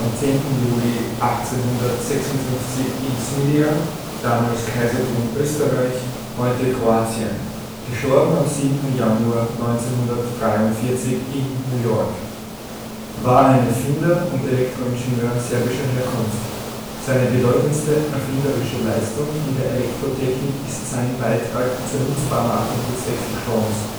10. Juli 1856 in Smiljan, damals Kaisertum Österreich; heute Kroatien; † 7. Januar 1943 in New York) war ein Erfinder und Elektro-Ingenieur serbischer Herkunft. Seine bedeutendste erfinderische Leistung in der Elektrotechnik ist sein Beitrag zur Nutzbarmachung des Wechselstroms